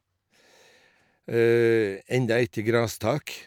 Enda er itj det grastak.